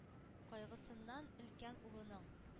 Кайгысыннан өлкән улының